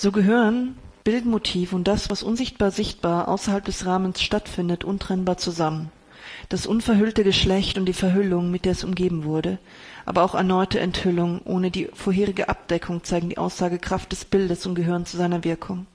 gehören Bildmotiv und das, was unsichtbar-sichtbar außerhalb des Rahmens stattfindet, untrennbar zusammen: Das unverhüllte Geschlecht und die Verhüllung, mit der es umgeben wurde, aber auch die erneute Enthüllung ohne die vorherige Abdeckung zeigen die Aussagekraft des Bildes und gehören zu seiner Wirkung